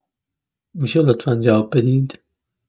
می‌شه لطفا جواب بدید؟